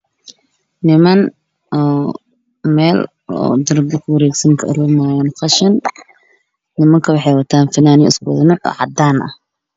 Niman oo meel darbi ku wareegsan qashin Niman waxey wadtaan funaanad isku wada nooc ah oo cadaan ah